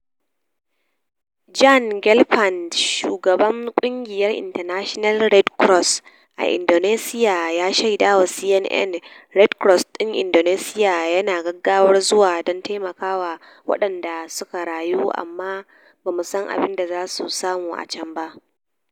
Jan Gelfand, shugaban kungiyar international Red Cross a Indonesia, ya shaida wa CNN: "Red Cross din Indonesia yana gaggawar zuwa don taimaka ma waɗanda suka rayu amma ba mu san abin da za su samu a can ba.